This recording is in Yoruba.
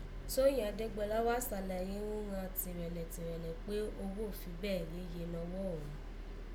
Tóyín Adégbolá wá sàlàyé ghún ghan tí ìrẹ̀lẹ̀ ìrẹ̀lẹ̀ kpé oghó fi bẹ́ẹ̀ yéye nọwọ́ òghun